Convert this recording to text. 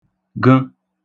ġə̣